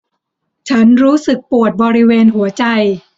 ฉันรู้สึกปวดบริเวณหัวใจ